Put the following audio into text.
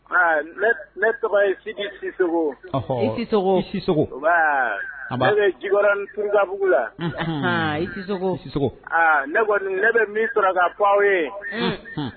Aa ne tɔgɔ ye si si i tɛ si a' ye ji bɔra tdabugu la aa i tɛ ne bɛ min sɔrɔ ka ko aw ye